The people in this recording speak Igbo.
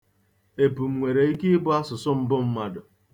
Epum nwere ike ịbụ asụsụ mbụ mmadụ.